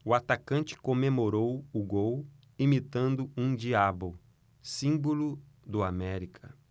o atacante comemorou o gol imitando um diabo símbolo do américa